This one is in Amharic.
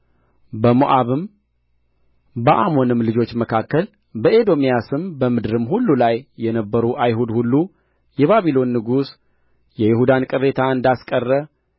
በሞዓብም በአሞንም ልጆች መካከል በኤዶምያስም በምድርም ሁሉ ላይ የነበሩ አይሁድ ሁሉ የባቢሎን ንጉሥ የይሁዳን ቅሬታ እንዳስቀረ